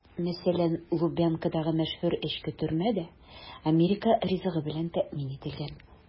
Мәсәлән, Лубянкадагы мәшһүр эчке төрмә дә америка ризыгы белән тәэмин ителгән.